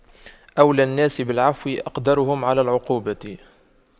أولى الناس بالعفو أقدرهم على العقوبة